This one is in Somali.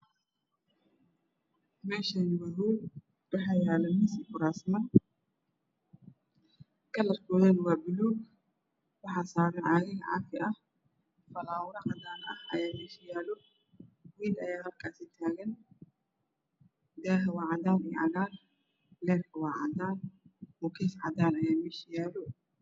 Meeshaan waa hool waxaa yaalo kuraasman iyo miisas kalarkoodu waa buluug waxaa saaran caagado caafi ah falaawaro cadaan ah nin ayaa halkaas taagan. Daaha waa cadaan iyo cagaar. Leyrka waa cadaan mukeyf cadaan ah ayaa meesha yaalo.